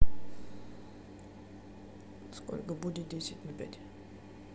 сколько будет десять на пять